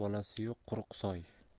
bolasi yo'q quruq soy